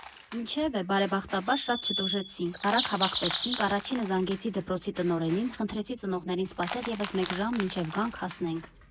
Ինչևէ, բարեբախտաբար, շատ չտուժեցինք, արագ հավաքվեցինք, առաջինը զանգեցի դպրոցի տնօրենին, խնդրեցի ծնողներին սպասել ևս մեկ ժամ, մինչև գանք, հասնենք։